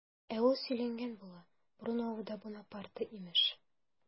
Ә ул сөйләнгән була, Бруновода Бунапарте имеш!